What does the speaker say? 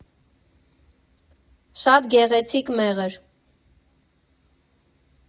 Շատ գեղեցիկ մեղր։